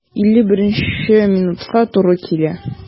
51 минутка туры килә.